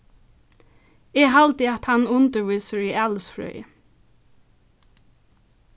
eg haldi at hann undirvísir í alisfrøði